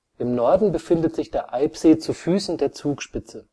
Im Norden befindet sich der Eibsee zu Füßen der Zugspitze